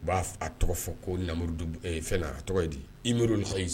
U b'a a tɔgɔ fɔ fɛn na a tɔgɔ ye di